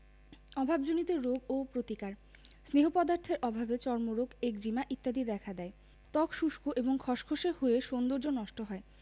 অভাবজনিত রোগ ও প্রতিকার স্নেহ পদার্থের অভাবে চর্মরোগ একজিমা ইত্যাদি দেখা দেয় ত্বক শুষ্ক এবং খসখসে হয়ে সৌন্দর্য নষ্ট হয়